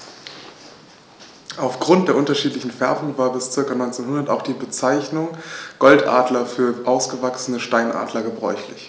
Auf Grund der unterschiedlichen Färbung war bis ca. 1900 auch die Bezeichnung Goldadler für ausgewachsene Steinadler gebräuchlich.